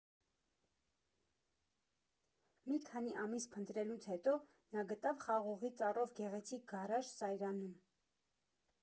Մի քանի ամիս փնտրելուց հետո նա գտավ խաղողի ծառով գեղեցիկ գարաժ Սարյանում։